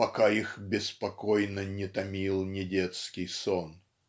пока их беспокойно не томил недетский сон!"